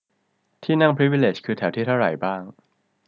ที่นั่งพรีวิเลจคือแถวที่เท่าไหร่บ้าง